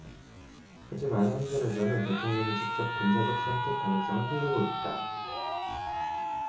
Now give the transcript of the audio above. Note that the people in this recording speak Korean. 하지만 한편에서는 대통령이 직접 군사적 선택 가능성을 흘리고 있다